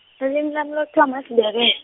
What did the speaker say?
ilimi lami likuthoma siNdebele.